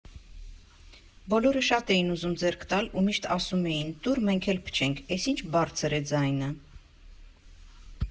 Բոլորը շատ էին ուզում ձեռք տալ ու միշտ ասում էին՝ տուր մենք էլ փչենք, էս ինչ բա՜րձր է ձայնը։